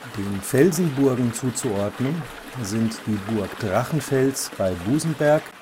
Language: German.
Den Felsenburgen zuzuordnen sind die Burg Drachenfels bei Busenberg,